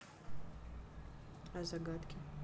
а загадки